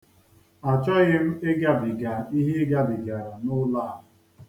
A chọghị m ịgabiga ihe i gabigara n'ụlọ a.